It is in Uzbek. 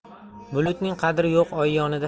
bulutning qadri yo'q oy yonida